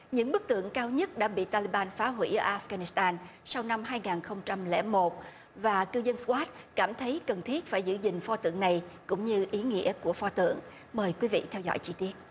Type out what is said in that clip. những bức tượng cao nhất đã bị ta li ban phá hủy áp ga nít tăng sau năm hai nghìn không trăm lẻ một và cư dân sờ goát cảm thấy cần thiết phải giữ gìn pho tượng này cũng như ý nghĩa của pho tượng mời quý vị theo dõi chi tiết